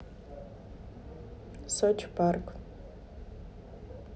сочи парк